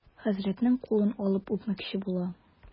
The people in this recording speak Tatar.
Хәзрәтнең кулын алып үпмәкче була.